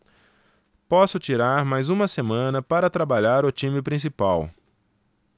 posso tirar mais uma semana para trabalhar o time principal